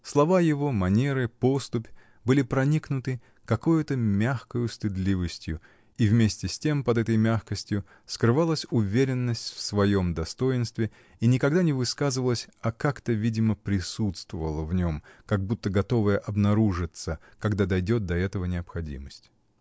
Слова его, манеры, поступь были проникнуты какою-то мягкою стыдливостью, и вместе с тем под этой мягкостью скрывалась уверенность в своем достоинстве и никогда не высказывалась, а как-то видимо присутствовала в нем, как будто готовая обнаружиться, когда дойдет до этого необходимость.